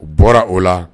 U bɔra o la.